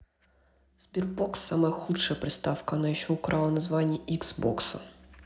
sberbox самая худшая приставка она еще украла название икс бокса